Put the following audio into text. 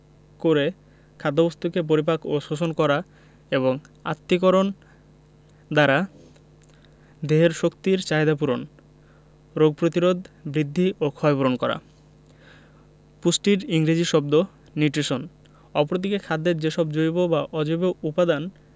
করে খাদ্যবস্তুকে পরিপাক ও শোষণ করা এবং আত্তীকরণ দ্বারা দেহের শক্তির চাহিদা পূরণ রোগ প্রতিরোধ বৃদ্ধি ও ক্ষয়পূরণ করা পুষ্টির ইংরেজি শব্দ নিউট্রিশন অপরদিকে খাদ্যের যেসব জৈব অথবা অজৈব উপাদান